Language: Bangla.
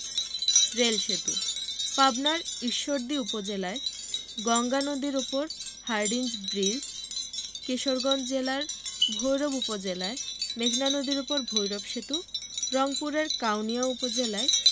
রেল সেতুঃ পাবনার ঈশ্বরদী উপজেলায় গঙ্গা নদীর উপর হার্ডিঞ্জ ব্রিজ কিশোরগঞ্জ জেলার ভৈরব উপজেলায় মেঘনা নদীর উপর ভৈরব সেতু রংপুরের কাউনিয়া উপজেলায়